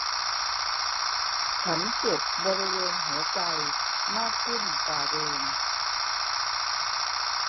ฉันเจ็บบริเวณหัวใจมากขึ้นกว่าเดิม